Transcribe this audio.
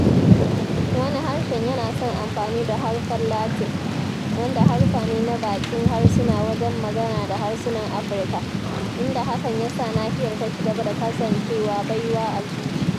Wani harshen yana son amfani da haruffan Latin, wanda harufa ne na baƙin harsuna wajen magana da harsunan Afirka, inda hakan ya sa nahiyar ta ci gaba da kasancewa baiwa a zuci.